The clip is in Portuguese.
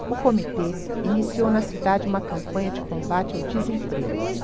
o comitê iniciou na cidade uma campanha de combate ao desemprego